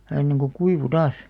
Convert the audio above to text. ja ennen kuin kuivui taas